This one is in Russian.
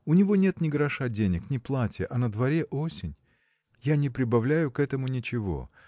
У него нет ни гроша денег, ни платья, а на дворе осень. Я не прибавляю к этому ничего